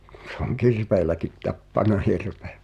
se on kirveelläkin tappanut hirven